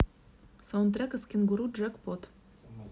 саундтрек из кенгуру джекпот